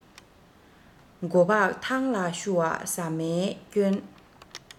མགོ སྤགས ཐང ལ བཤུ བ ཟ མའི སྐྱོན